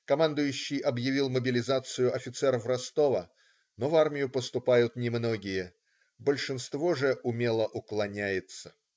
Командующий объявил мобилизацию офицеров Ростова, но в армию поступают немногие - большинство же умело уклоняется.